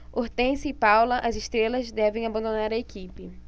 hortência e paula as estrelas devem abandonar a equipe